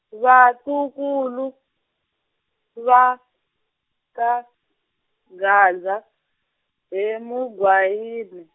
vatukulu, va, ka, Gaza, hi Muzwayine.